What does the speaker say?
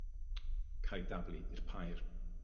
cael 'i daflu i'r pair.